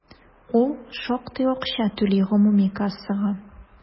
Ул шактый акча түли гомуми кассага.